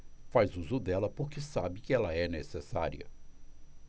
faz uso dela porque sabe que ela é necessária